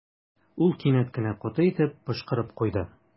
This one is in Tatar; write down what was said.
Ул кинәт кенә каты итеп пошкырып куйды.